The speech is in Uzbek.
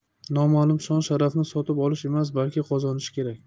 noma'lum shon sharafni sotib olish emas balki qozonish kerak